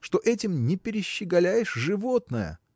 что этим не перещеголяешь животное.